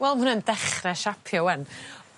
Wel ma' hwnna'n dechre siapio 'wan.